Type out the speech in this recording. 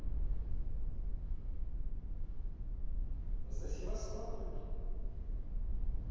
за севастополь